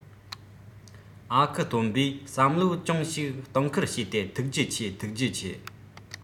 ཨ ཁུ སྟོན པས བསམ བློ ཅུང ཞིག གཏོང ཁུལ བྱས ཏེ ཐུགས རྗེ ཆེ ཐུགས རྗེ ཆེ